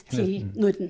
nitten.